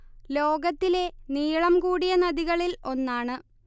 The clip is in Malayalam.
ലോകത്തിലെ നീളം കൂടിയ നദികളിൽ ഒന്നാണ്